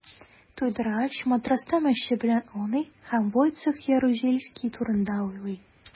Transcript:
Туйдыргач, матраста мәче белән ауный һәм Войцех Ярузельский турында уйлый.